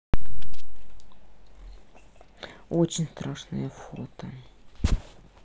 очень страшное фото